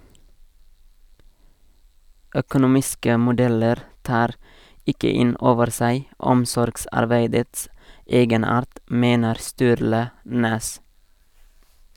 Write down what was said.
- Økonomiske modeller tar ikke inn over seg omsorgsarbeidets egenart, mener Sturle Næss.